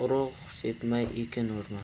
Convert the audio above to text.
urug' sepmay ekin o'rmas